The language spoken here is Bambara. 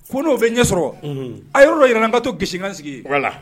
Ko n'olu bɛ ɲɛ sɔrɔ a yɔrɔo jira n ka to gesekansigi la